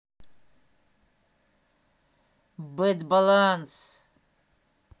bad balance